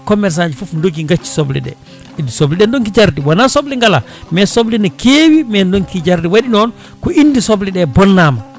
commerçant ji foof doogui gacci soble ɗe sobleɗe donki jarde wona soble gala mais soble ne keewi mais donki jarde waɗi noon ko inde sobleɗe bonnama